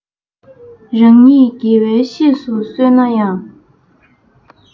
རང ཉིད དགེ བའི བཤེས སུ གསོལ ན ཡང